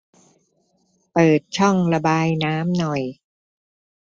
เปิดช่องระบายน้ำหน่อย